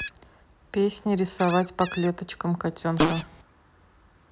песни рисовать по клеточкам котенка